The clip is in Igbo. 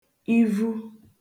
ivu